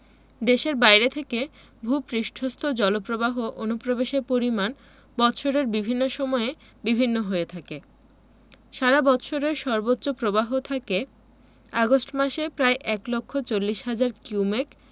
দেশের বাইরে থেকে ভূ পৃষ্ঠস্থ জলপ্রবাহ অনুপ্রবেশের পরিমাণ বৎসরের বিভিন্ন সময়ে বিভিন্ন হয়ে থাকে সারা বৎসরের সর্বোচ্চ প্রবাহ থাকে আগস্ট মাসে প্রায় এক লক্ষ চল্লিশ হাজার কিউমেক